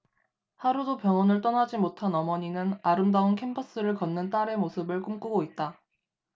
하루도 병원을 떠나지 못한 어머니는 아름다운 캠퍼스를 걷는 딸의 모습을 꿈꾸고 있다